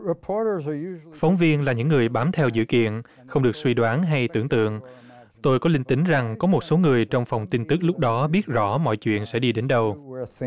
rờ bo rơ giờ y phóng viên là những người bám theo dữ kiện không được suy đoán hay tưởng tượng tôi có linh tính rằng có một số người trong phòng tin tức lúc đó biết rõ mọi chuyện sẽ đi đến đâu